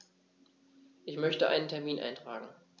Ich möchte einen Termin eintragen.